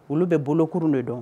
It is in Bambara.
Olu bɛ bolourun de dɔn